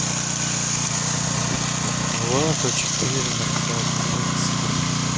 влад а четыре накапливается